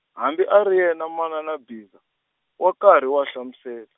hambi a ri yena manana Mbhiza, wa karhi wa hlamusel-.